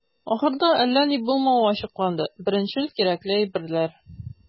Ахырда, әллә ни булмавы ачыкланды - беренчел кирәкле әйберләр.